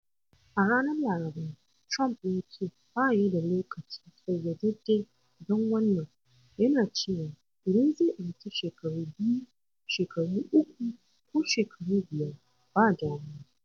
A ranar Laraba, Trump ya ce ba ya da lokaci ƙayyadedde don wannan, yana cewa “Idan zai ɗauki shekaru biyu, shekaru uku ko shekaru biyar - ba damuwa.”